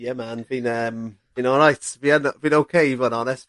Ie, man, fi'n yym, fi'n o'reit. Fi yn, fi'n ok i fo' yn onest.